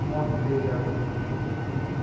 b mod deyiladi